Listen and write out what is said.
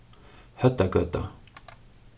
høvdagøta